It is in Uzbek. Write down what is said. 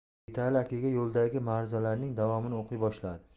yigitali akaga yo'ldagi maruzalarining davomini o'qiy boshladi